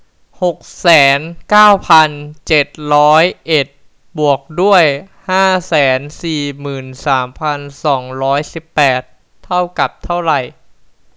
หกแสนเก้าพันเจ็ดร้อยเอ็ดบวกด้วยห้าแสนสี่หมื่นสามพันสองร้อยสิบแปดเท่ากับเท่าไร